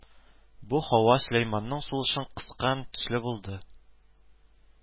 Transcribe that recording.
Бу һава Сөләйманның сулышын кыскан төсле булды